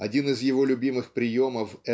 Один из его любимых приемов